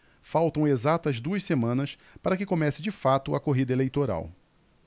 faltam exatas duas semanas para que comece de fato a corrida eleitoral